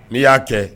N'i y'a kɛ